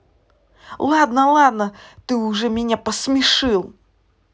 ладно ладно ты уже меня посмешил